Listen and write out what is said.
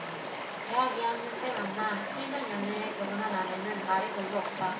대학 이 학년 때 만나 칠 년 연애해 결혼한 아내는 말이 별로 없다